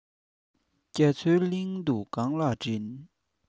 རྒྱ མཚོའི གླིང དུ ག ལ བྲིན